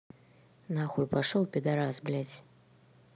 нахуй пошел пидарас блядь